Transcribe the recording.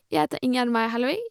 Jeg heter Ingegjerd Meyer Hellevig.